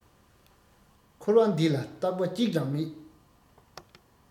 འཁོར བ འདི ལ རྟག པ གཅིག ཀྱང མེད